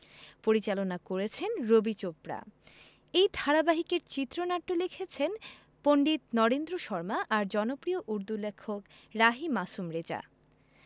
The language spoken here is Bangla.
পরিচালনা করেছেন রবি চোপড়া এই ধারাবাহিকের চিত্রনাট্য লিখেছেন পণ্ডিত নরেন্দ্র শর্মা আর জনপ্রিয় উর্দু লেখক রাহি মাসুম রেজা